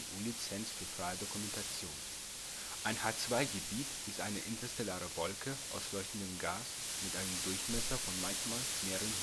GNU Lizenz für freie Dokumentation. NGC 604, ein großes H-II-Gebiet im Dreiecksnebel. Ein H-II-Gebiet ist eine interstellare Wolke aus leuchtendem Gas mit einem Durchmesser von manchmal mehreren